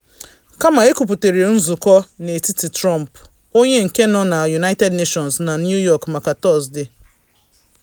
Kama, ekwuputere nzụkọ n’etiti Trump, onye nke nọ na United Nations na New York maka Tọsde.